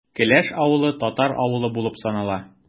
Келәш авылы – татар авылы булып санала.